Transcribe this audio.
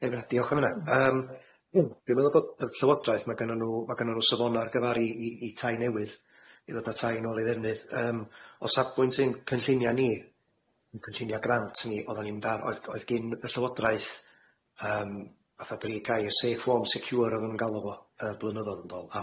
Diolch am hynna. Yym dwi'n meddwl bod y llywodraeth ma' gynno nw ma' gynno nw safona ar gyfar 'i 'i 'i tai newydd i ddod â tai nôl i ddefnydd yym o safbwynt ein cynllinia ni, cynllunia grant ni oddan ni'n dar- o'dd o'dd gin y llywodraeth yym fatha dri gair safe fform seciure oddan nw'n galw fo yy blynyddodd yn dôl